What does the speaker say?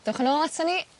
Dewch yn ôl aton ni